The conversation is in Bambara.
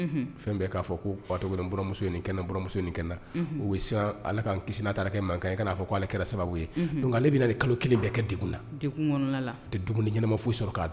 Fɛn bɛɛ . Ka fɔ ko n buranmuso ye nin n na, n buranmuso ye nin kɛ n na . oubien Ala kan kisi na taara kɛ mankan ye a kana fɔ kale kɛra sababu ye . Donc ale bi na kalo kelen bɛɛ kɛ dekun la. Dekun kɔnɔna la. N tɛ dumuni ɲɛnaman foyi sɔrɔ ka